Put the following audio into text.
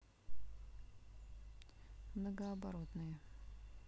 многооборотные